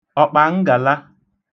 ọ̀kpàngàla